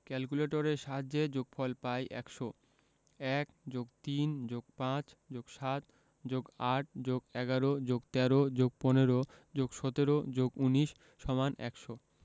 ক্যালকুলেটরের সাহায্যে যোগফল পাই ১০০ ১+৩+৫+৭+৮+১১+১৩+১৫+১৭+১৯=১০০